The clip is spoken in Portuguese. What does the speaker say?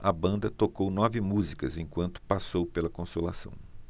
a banda tocou nove músicas enquanto passou pela consolação